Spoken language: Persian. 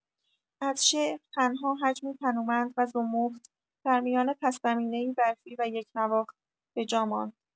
از شعر تنها حجمی تنومند و زمخت در میان پس زمینه‌ای برفی و یکنواخت به جا ماند.